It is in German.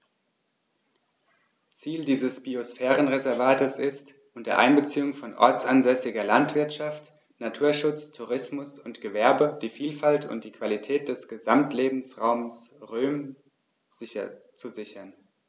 Ziel dieses Biosphärenreservates ist, unter Einbeziehung von ortsansässiger Landwirtschaft, Naturschutz, Tourismus und Gewerbe die Vielfalt und die Qualität des Gesamtlebensraumes Rhön zu sichern.